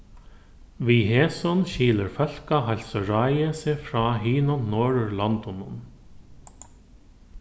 við hesum skilur fólkaheilsuráðið seg frá hinum norðurlondunum